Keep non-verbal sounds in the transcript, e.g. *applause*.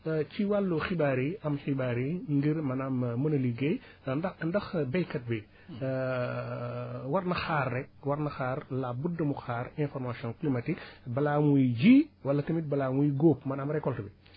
*hesitation* ci wàllu xibaar yi am xibaar yi ngir maanaam mën a liggéey *breath* ndax ndax baykat bi *hesitation* war na xaar rekk war na xaar laa bu da mu xaar information climatique *breath* balaa muy ji wala tamit balaa muy góob maanaam récolte bi